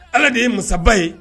Ala de ye masaba ye